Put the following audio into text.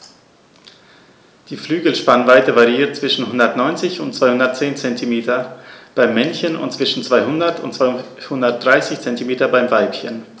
Die Flügelspannweite variiert zwischen 190 und 210 cm beim Männchen und zwischen 200 und 230 cm beim Weibchen.